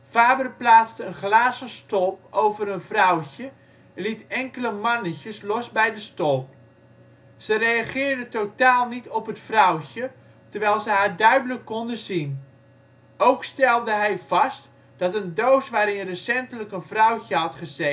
plaatste een glazen stolp over een vrouwtje en liet enkele mannetjes los bij de stolp. Ze reageerden totaal niet op het vrouwtje, terwijl ze haar duidelijk konden zien. Ook stelde hij vast dat een doos waarin recentelijk een vrouwtje had gezeten juist een